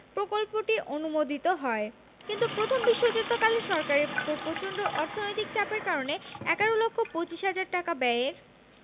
প্রকল্পটি অনুমোদিত হয় কিন্তু প্রথম বিশ্বযুদ্ধকালে সরকারের ওপর প্রচন্ড অর্থনৈতিক চাপের কারণে এগারো লক্ষ পচিশ হাজার টাকা ব্যয়ের